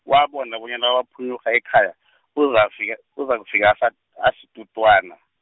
wabona bonyana wabaphunyurha ekhaya , uzafika- uzakufika asa- asitutwana.